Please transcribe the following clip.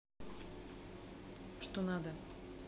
что надо